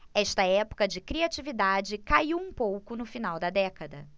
esta época de criatividade caiu um pouco no final da década